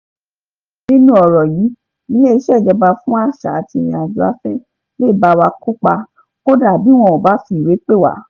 Nínú ọ̀rọ̀ yìí, Ilé-iṣẹ́ Ìjọba fún Àṣà àti Ìrìn-àjò afẹ́ lè bá wa kópa, kódà bí wọn ò bá fi ìwé pè wá.